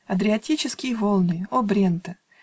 Адриатические волны, О Брента!